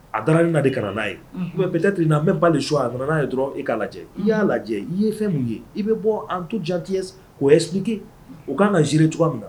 A dara ne na de ka na n'a ye, mais peut être il n'a même pas le ka na n'a ye ye dɔrɔn i k'a lajɛ n'i y'a lajɛ, i ye fɛn min ye i bɛ bɔ en toute gentillesse k'o explique o ka kan gere cogoya min na _